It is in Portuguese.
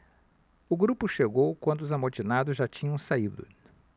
o grupo chegou quando os amotinados já tinham saído